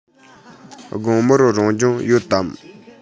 དགོང མོ རང སྦྱོང ཡོད དམ